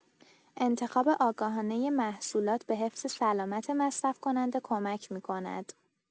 انتخاب آگاهانه محصولات به حفظ سلامت مصرف‌کننده کمک می‌کند.